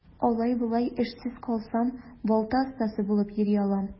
Алай-болай эшсез калсам, балта остасы булып йөри алам.